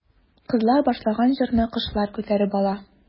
Кызлар башлаган җырны кошлар күтәреп ала.